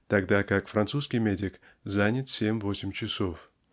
тогда как французский медик занят семь-восемь часов.